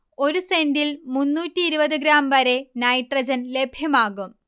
ഒരു സെന്റിൽ മുന്നൂറ്റി ഇരുവത് ഗ്രാം വരെ നൈട്രജൻ ലഭ്യമാകും